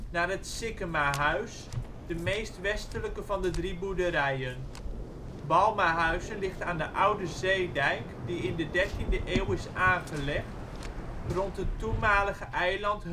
naar het Sickemahuis, de meest westelijke van de drie boerderijen. Balmahuizen ligt aan de oude zeedijk die in de dertiende eeuw is aangelegd rond het toenmalige eiland